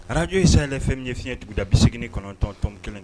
Arajo yesi fɛn min ye fiɲɛɲɛ duguda bisimilase kɔnɔntɔntɔn kelen